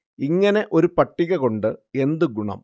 ഇങ്ങനെ ഒരു പട്ടിക കൊണ്ട് എന്തു ഗുണം